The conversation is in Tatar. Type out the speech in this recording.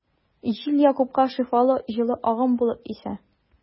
Җил Якупка шифалы җылы агым булып исә.